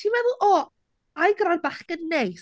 Ti'n meddwl, o, a i gyda bachgen neis.